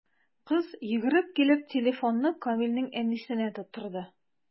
Кыз, йөгереп килеп, телефонны Камилнең әнисенә тоттырды.